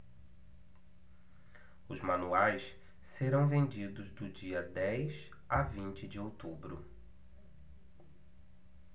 os manuais serão vendidos do dia dez a vinte de outubro